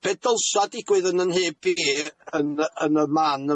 be' dylsa digwydd yn 'y nhyb i yn y yn y man